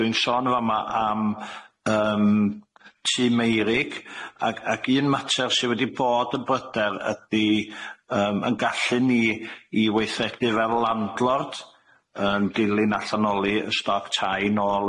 dwi'n sôn yn fa' ma' am yym Tŷ Meurig ag ag un mater sy wedi bod yn bryder ydi yym yn gallu ni i weithredu fel landlord yn dilyn allanoli y stoc tai nôl